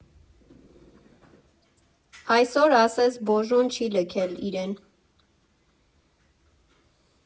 Այսօր ասես Բոժոն չի լքել իրեն.